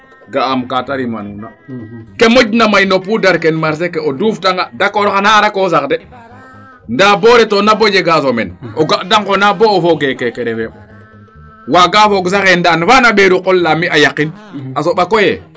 ga aam kaate rima nuuna ke moƴna may no poudre fee marchée ke o duuf tannga d' accord xana arake wo sax de ndaa bo retoona boo jega semaine o ga de ngonaa bo o fooge keeke refee ɓor waaga fooge sax Ndane faana mbeeru qolaa mi a yaqin a soɓa koy yee